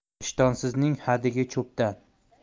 ishtonsizning hadigi cho'pdan